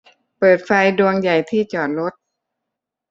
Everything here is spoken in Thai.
เปิดไฟดวงใหญ่ที่จอดรถ